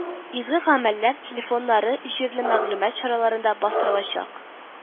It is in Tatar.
Изге гамәлләр телефоннары җирле мәгълүмат чараларында бастырылачак